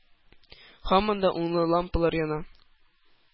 Һаман да унлы лампалар яна.